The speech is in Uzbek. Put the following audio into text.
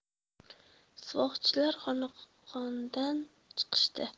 suvoqchilar xonaqohdan chiqishdi